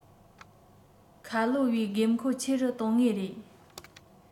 ཁོ ལོ བའི དགོས མཁོ ཆེ རུ གཏོང ངེས རེད